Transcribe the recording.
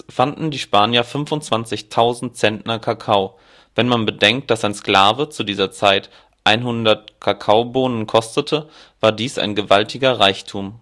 fanden die Spanier 25.000 Zentner Kakao. Wenn man bedenkt, dass ein Sklave zu dieser Zeit 100 Kakaobohnen kostete, war dies ein gewaltiger Reichtum